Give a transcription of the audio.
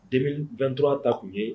Den bɛttura ta tun ye